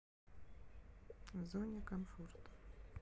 в зоне комфорта